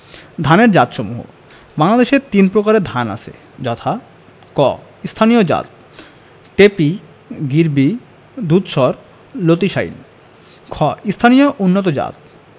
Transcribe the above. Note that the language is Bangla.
ধানের জাতসমূহঃ বাংলাদেশে তিন প্রকারের ধান আছে যথাঃ ক স্থানীয় জাতঃ টেপি গিরবি দুধসর লতিশাইল খ স্থানীয় উন্নতজাত